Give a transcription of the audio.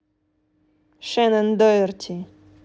шенон доерти